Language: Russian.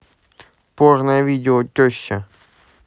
порно видео теща